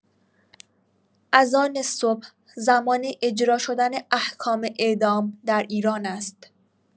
اذان صبح زمان اجرا شدن احکام اعدام در ایران است.